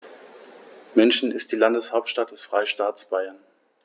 München ist die Landeshauptstadt des Freistaates Bayern.